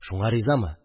Шуңа ризамы?